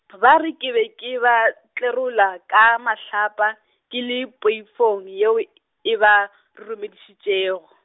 b- ba re ke be ke ba, tlerola ka mahlapa, ke le poifong yeo e ba, roromedišitšego.